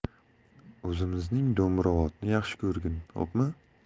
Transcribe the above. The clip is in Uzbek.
o'zimizning do'mbrobodni yaxshi ko'rgin xo'pmi